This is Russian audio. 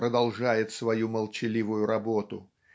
продолжает свою молчаливую работу.